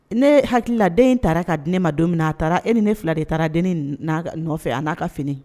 Ne hakililaden in taara ka di ne ma don min a taara e ni ne fila de taara den n' nɔfɛ a n'a ka fini